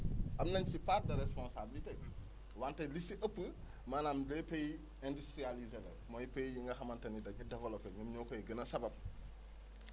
am nañ si part de responsabilité wante li si ëpp maanaam les pays industrialisés mooy pays yu nga xamante ni dañu développés ñoo koy gën a sabab